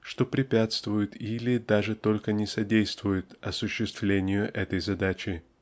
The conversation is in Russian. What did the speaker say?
что препятствует или даже только не содействует осуществлению этой задачи.